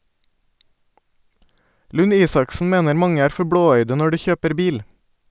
Lund-Isaksen mener mange er for blåøyde når de kjøper bil.